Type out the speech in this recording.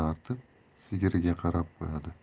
artib sigiriga qarab qo'yadi